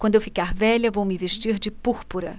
quando eu ficar velha vou me vestir de púrpura